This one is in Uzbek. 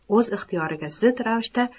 o'z ixtiyoriga zid ravishda